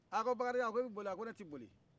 a ko bakarijan a ko i bɛ boli wa a ko ne tɛ boli